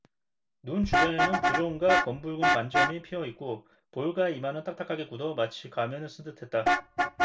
눈 주변에는 부종과 검붉은 반점이 피어 있고 볼과 이마는 딱딱하게 굳어 마치 가면을 쓴 듯했다